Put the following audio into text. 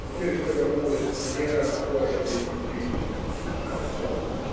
Теперь все вернулось, но не как прошлая действительность, а как сон.